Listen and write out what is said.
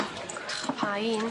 Ch! Pa un?